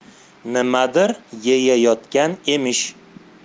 nimadir yeyayotgan emish